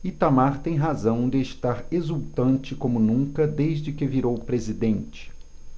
itamar tem razão de estar exultante como nunca desde que virou presidente